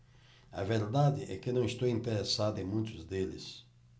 a verdade é que não estou interessado em muitos deles